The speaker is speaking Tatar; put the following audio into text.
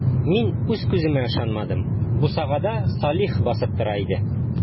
Мин үз күзләремә ышанмадым - бусагада Салих басып тора иде.